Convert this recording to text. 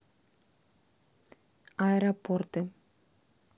аэропорты